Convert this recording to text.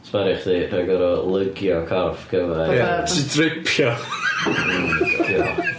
Sbario chdi rhag gorfod lygio'r corff gymaint... Fatha... Ia jyst yn dripio ... Oh god.